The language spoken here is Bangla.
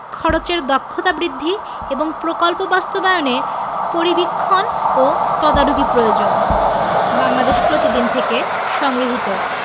খরচের দক্ষতা বৃদ্ধি এবং প্রকল্প বাস্তবায়নে পরিবীক্ষণ ও তদারকি প্রয়োজন বাংলাদেশ প্রতিদিন থেলে সংগৃহীত